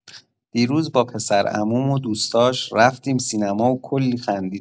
دیروز با پسرعموم و دوستاش رفتیم سینما و کلی خندیدیم.